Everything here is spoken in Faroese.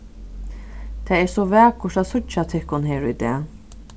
tað er so vakurt at síggja tykkum her í dag